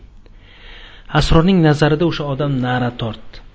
srorninig nazarida usha odam na'ra tortdi